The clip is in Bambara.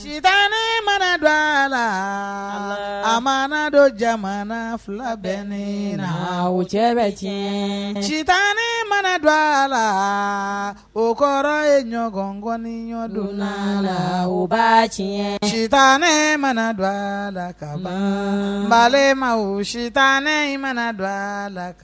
Sita in mana don a la a mana don jamana fila bɛ ne na o cɛ bɛ tiɲɛ cita mana don a la o kɔrɔ ye ɲɔgɔnkɔni ɲɔdon la la ba tiɲɛ ci tan ne mana don a la kalan bama wo sita ne mana don a la